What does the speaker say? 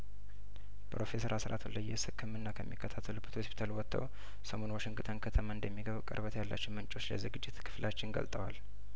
ፕሮፌሰር አስራት ወልደየስ ህክምና ከሚከታተሉበት ሆስፒታል ወጥተው ሰሞኑን ዋሽንግተን ከተማ እንደሚገቡ ቅርበት ያላቸው ምንጮች ለዝግጅት ክፍላችን ገልጠዋል